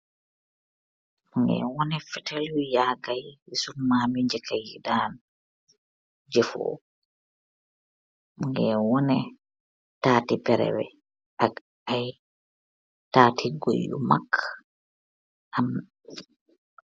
Mungeh woneh fetel yu yaga yi sun maamy njekehyi dan jefoo mungeh woneh tatti pereh bi ak ay tatti guuy yu magg.